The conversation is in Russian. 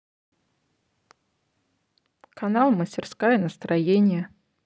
канал мастерская настроения